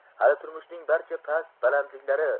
lekin hali turmushning barcha past balandliklari